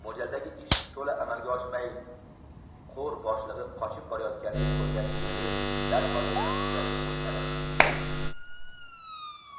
mo'ljaldagi ish to'la amalga oshmay ko'r boshlig'i qochib borayotganligini ko'rgan chekist darhol yana ularga qo'shiladi